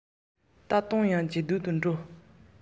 ལྟ བ ཡང ཇེ ཞན དུ གྱུར